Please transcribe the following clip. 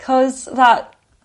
'C'os fatha